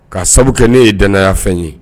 Ka sabu kɛ ne ye dɛnɛnyafɛn ye